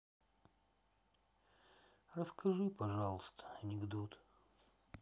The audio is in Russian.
расскажи пожалуйста анекдот